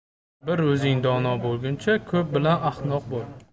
bir o'zing dono bo'lguncha ko'p bilan ahtnoq bo'l